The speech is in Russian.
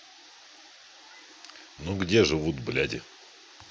ну где живут бляди